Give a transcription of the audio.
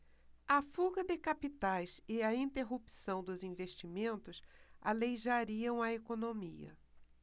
a fuga de capitais e a interrupção dos investimentos aleijariam a economia